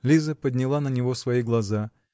Лиза подняла на него свои глаза.